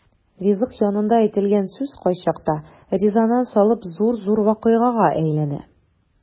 Ризык янында әйтелгән сүз кайчакта резонанс алып зур-зур вакыйгага әйләнә.